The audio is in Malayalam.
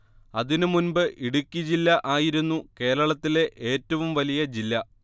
അതിനു മുൻപ് ഇടുക്കി ജില്ല ആയിരുന്നു കേരളത്തിലെ ഏറ്റവും വലിയ ജില്ല